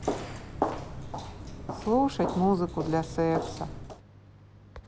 слушать музыку для секса